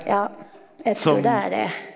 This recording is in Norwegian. ja jeg trur det er det.